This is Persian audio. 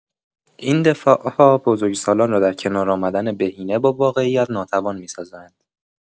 این دفاع‌ها بزرگسالان را در کنار آمدن بهینه با واقعیت ناتوان می‌سازند.